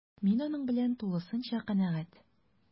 Мин аның белән тулысынча канәгать: